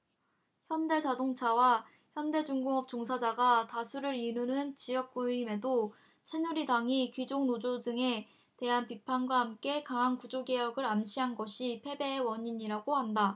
현대자동차와 현대중공업 종사자가 다수를 이루는 지역구임에도 새누리당이 귀족노조 등에 대한 비판과 함께 강한 구조개혁을 암시한 것이 패배의 원인이라고 한다